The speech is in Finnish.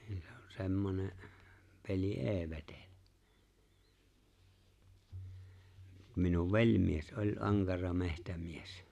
niin se on semmoinen peli ei vetele minun velimies oli ankara metsämies